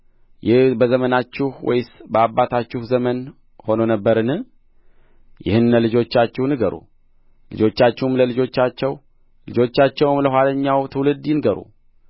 ይህ በዘመናችሁ ወይስ በአባቶቻችሁ ዘመን ሆኖ ነበርን ይህን ለልጆቻችሁ ንገሩ ልጆቻችሁም ለልጆቻቸው ልጆቻቸውም ለኋለኛው ትውልድ ይንገሩ